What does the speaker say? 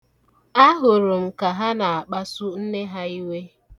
Ahụrụ m ka ha na-akpasu nne ha iwe.